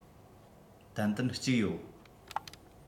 ཏན ཏན གཅིག ཡོད